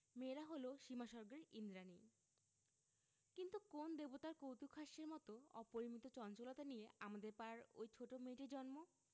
মেয়েরা হল সীমাস্বর্গের ঈন্দ্রাণী কিন্তু কোন দেবতার কৌতূকহাস্যের মত অপরিমিত চঞ্চলতা নিয়ে আমাদের পাড়ার ঐ ছোট মেয়েটির জন্ম